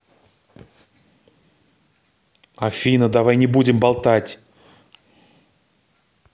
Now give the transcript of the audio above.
афина давай не будем болтать